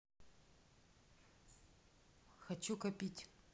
хочу копить